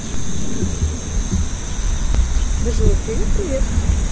джой привет привет